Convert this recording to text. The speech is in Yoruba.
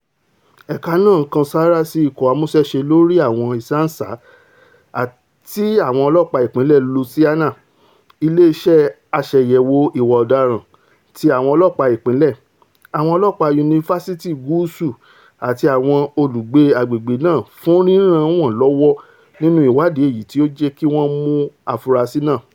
Ẹ̀ka náà ńkan sáará sí ikọ̀ amúṣẹ́ṣe lóri àwọn ìsáǹsá ti Àwọn Ọlọ́ọ̀pá Ìpínlẹ̀ Louisiana, ilé iṣẹ́ aṣàyẹ̀wò ìwà ọ̀daràn ti àwọn ọlọ́ọ̀pá ìpínlẹ̀, àwọn ọlọ́ọ̀pá Yunifásitì Gúsúù àti àwọn olùgbé agbègbè̀̀ náà fún ríràn wọ́n lọ́wọ́ nínu ìwáàdí èyití o jẹ́kí wọ́n mú afurasí náà.